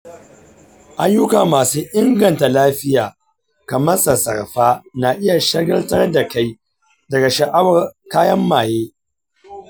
ayyuka masu inganta lafiya kamar sassarfa na iya shagaltar da kai daga sha’awar kayan maye.